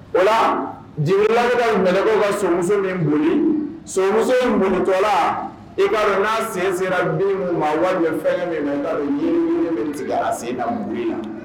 Wala ncilara minɛbɔ ka somuso min boli sɔmuso ye mɔnitɔla i'a dɔn n'a sen sera min ma waati fɛn min tigɛ sen na mun la